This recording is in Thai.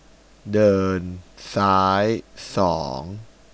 เดินซ้ายสอง